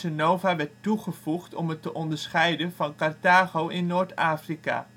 nova ' werd toegevoegd om het te onderscheiden van Carthago in Noord-Afrika